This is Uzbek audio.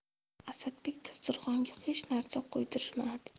asadbek dasturxonga hech narsa qo'ydirtirmadi